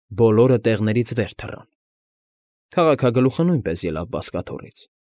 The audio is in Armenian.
Բոլորը տեղներից վեր թռան։ Քաղաքագլուխը նույնպես ելավ բազկաթոռից։